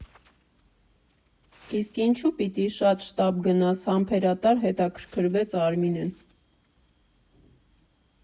Իսկ ինչու՞ պիտի շատ շտապ գնաս, ֊ համբերատար հետաքրքրվեց Արմինեն։